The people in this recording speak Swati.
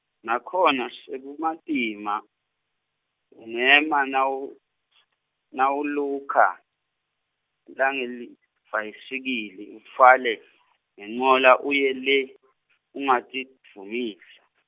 nakhona sekumatima ungema nawu- nawulukha langelibhayisikili utfwale ngencola uye le ungatidvumisa.